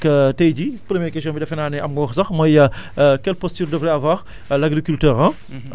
alors donc tey jii première question bi defe naa ne am nga ko sax mooy quelle posture devrait avoir l' agriculteur ah